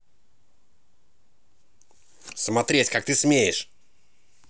смотреть как ты смеешь